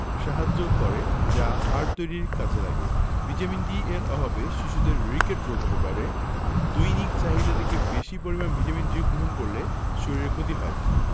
সাহায্য করে যা হাড় তৈরীর কাজে লাগে ভিটামিন D এর অভাবে শিশুদের রিকেট রোগ হতে পারে দৈনিক চাহিদা থেকে বেশী পরিমাণে ভিটামিন D গ্রহণ করলে শরীরের ক্ষতি হয়